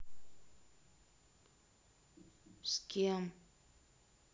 с кем